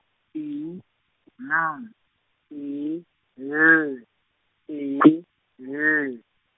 I N I L E L.